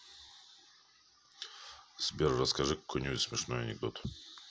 сбер расскажи какой нибудь смешной анекдот